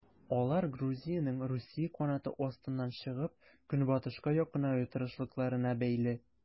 Алар Грузиянең Русия канаты астыннан чыгып, Көнбатышка якынаю тырышлыкларына бәйле.